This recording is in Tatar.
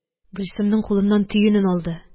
Гөлсемнең кулыннан төенен алды